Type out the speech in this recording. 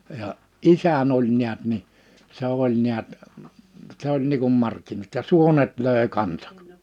ja isäni oli näet niin se oli näet se oli niin kuin markkinat ja suonet löi kanssa